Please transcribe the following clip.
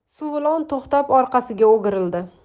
suvilon to'xtab orqasiga o'girildi